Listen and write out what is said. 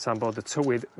tan bod y tywydd